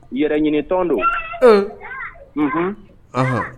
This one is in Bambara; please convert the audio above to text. Yɛrɛ ɲinin tɔn don h